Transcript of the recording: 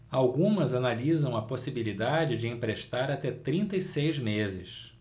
algumas analisam a possibilidade de emprestar até trinta e seis meses